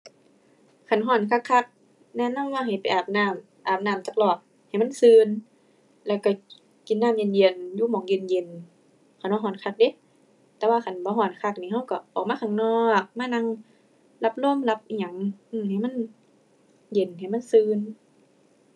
คันร้อนคักคัก แนะนำว่าให้ไปอาบน้ำ อาบน้ำจักรอบ ให้มันร้อนแล้วร้อนกินน้ำเย็นเย็น อยู่หม้องเย็นเย็น คันร้อนร้อนคักเดะ แต่ว่าคันบ่ร้อนคักนี่ ร้อนร้อนออกมาข้างนอก มานั่งรับลมรับอิหยัง อือ ให้มันเย็น ให้มันร้อน